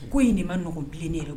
Ko in de man nɔgɔ bilen .